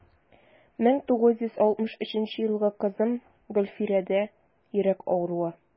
1963 елгы кызым гөлфирәдә йөрәк авыруы.